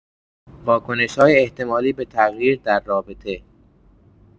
واکنش‌های احتمالی به تغییر در رابطه